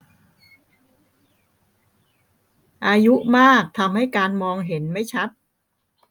อายุมากทำให้การมองเห็นไม่ชัด